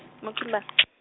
mo Kimber- .